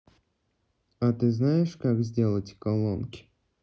а ты знаешь как сделать колонки